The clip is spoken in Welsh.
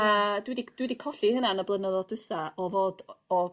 a dwi 'di dwi 'di colli hyna yn y blynyddodd dwitha o fod o